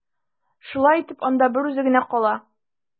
Шулай итеп, анда берүзе генә кала.